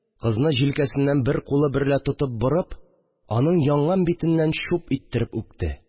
Кызны җилкәсеннән бер кулы берлә тотып борып, аның янган битеннән чуп иттереп үпте